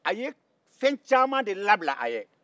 a ye fɛn caman de labil'a ye